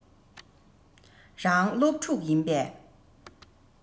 རང སློབ ཕྲུག ཡིན པས